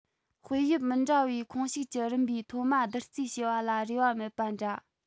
དཔེ དབྱིབས མི འདྲ བའི ཁོངས ཞུགས ཀྱི རིམ པའི མཐོ དམའ བསྡུར རྩིས བྱས པ ལ རེ བ མེད པ འདྲ